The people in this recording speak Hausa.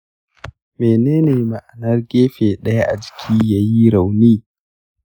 menene ma'anar gefe ɗaya na jiki yayi rauni?